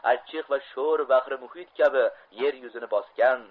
achchiq va sho'r bahri muhit kabi yer yuzini bosgan